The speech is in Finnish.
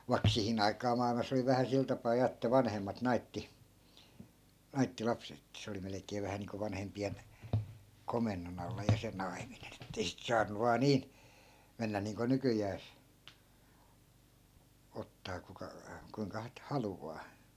vaikka siihen aikaan maailmassa oli vähän sillä tapaa ja että vanhemmat naittoi naittoi lapset että se oli melkein vähän niin kuin vanhempien komennon alla ja se naiminen että ei sitten saanut vain niin mennä niin kuin nykyään ottaa kuka kuinka - haluaa